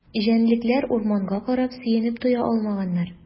Җәнлекләр урманга карап сөенеп туя алмаганнар.